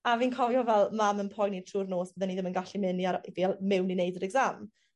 a fi'n cofio fel mam yn poeni trw'r nos fydden i ddim yn gallu myn' i ar- i ar- mewn i neud yr exam.